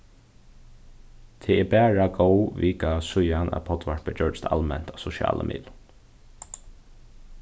tað er bara góð vika síðan at poddvarpið gjørdist alment á sosialum miðlum